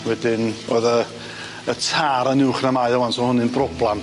Wedyn oedd yy y târ yn uwch na mae o ŵan so hynny'n broblam.